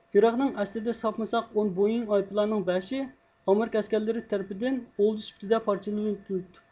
ئىراقنىڭ ئەسلىدە ساپمۇساق ئون بوئېڭ ئايروپىلانىنىڭ بەشى ئامېرىكا ئەسكەرلىرى تەرىپىدىن ئولجا سۈپىتىدە پارچىلىۋېتىلىپتۇ